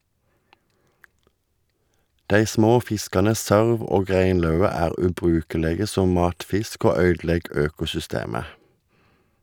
Dei små fiskane sørv og regnlaue er ubrukelege som matfisk og øydelegg økosystemet.